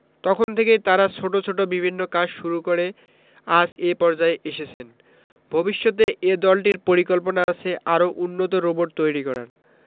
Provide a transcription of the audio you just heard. তখন থেকেই তারা ছোট ছোট বিভিন্ন কাজ শুরু করে আজ এ পর্যায়ে এসেছেন ভবিষ্যতে এই দলটির পরিকল্পনা আছে আরও উন্নত রোবট তৈরি করার